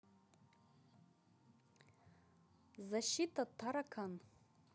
защита таракан